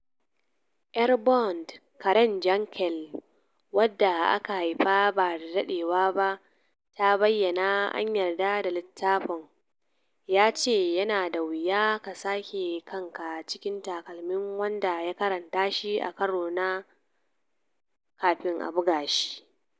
‘yar Bond, Karen Jankel, wacca aka haifa ba da daɗewa ba bayan an yarda da littafin, ya ce: "Yana da wuya ka saka kanka cikin takalmin wanda ya karanta shi a karo na farko kafin a buga shi.